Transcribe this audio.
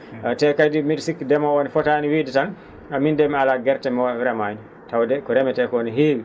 te kadi mbi?i sikki ndemoowo ne fotaani wiide tan min nde mi alaa gerte mi remaani tawde ko remetee ko ne heewi